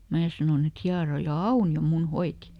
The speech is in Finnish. minä sanoin että hieroja Aunio minun hoiti